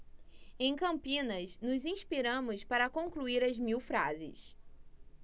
em campinas nos inspiramos para concluir as mil frases